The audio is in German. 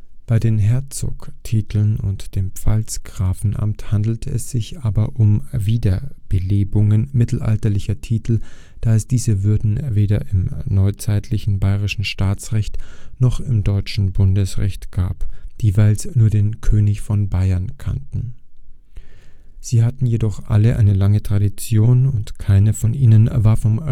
Bei den Herzogstiteln und dem Pfalzgrafenamt handelt es sich aber um Wiederbelebungen mittelalterlicher Titel, da es diese Würden weder im neuzeitlichen bayerischen Staatsrecht noch im deutschen Bundesrecht gab, die jeweils nur den „ König von Bayern “kannten. Sie hatten jedoch alle eine lange Tradition, und keine von ihnen war vom Reichsdeputationshauptschluss